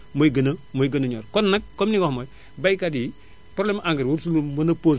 mooy gën a mooy gën a ñor kon nag comme li nga wax mooy baykat yi problème engrais waratuñu mën a posé